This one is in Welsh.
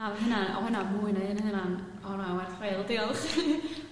na ma' hynna'n... odd hwna'n fwy na... odd honna'n werth chweil diolch